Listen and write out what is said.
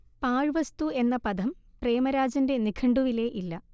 പാഴ്വസ്തു എന്ന പദം പ്രേമരാജന്റെ നിഘണ്ടുവിലേ ഇല്ല